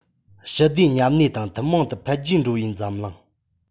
ཞི བདེ མཉམ གནས དང ཐུན མོང དུ འཕེལ རྒྱས འགྲོ བའི འཛམ གླིང